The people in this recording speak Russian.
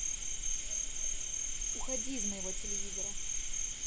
уходи из моего телевизора